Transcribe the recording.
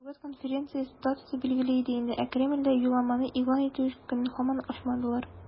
Матбугат конференциясе датасы билгеле иде инде, ә Кремльдә юлламаны игълан итү көнен һаман ачмадылар.